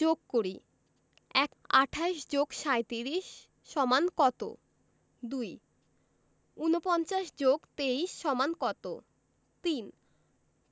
যোগ করিঃ ১ ২৮ + ৩৭ = কত ২ ৪৯ + ২৩ = কত ৩